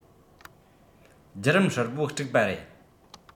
བརྒྱུད རིམ ཧྲིལ པོ དཀྲུགས པ རེད